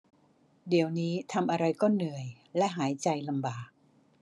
เดี๋ยวนี้ทำอะไรก็เหนื่อยและหายใจลำบาก